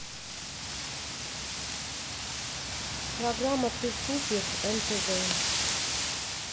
программа ты супер нтв